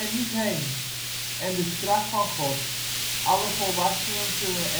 niet heen), en de straf van God: alle volwassenen zullen